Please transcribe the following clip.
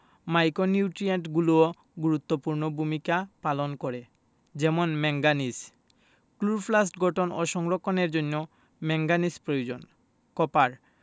মাইক্রোনিউট্রিয়েন্টগুলোও গুরুত্বপূর্ণ ভূমিকা পালন করে যেমন ম্যাংগানিজ ক্লোরোপ্লাস্ট গঠন ও সংরক্ষণের জন্য ম্যাংগানিজ প্রয়োজন কপার